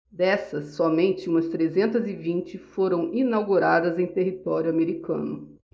dessas somente umas trezentas e vinte foram inauguradas em território americano